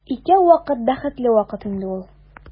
Икәү вакыт бәхетле вакыт инде ул.